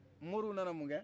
moriw nana mun kɛ